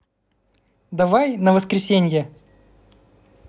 давай на воскресенье